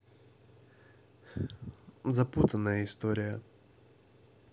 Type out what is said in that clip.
запутанная история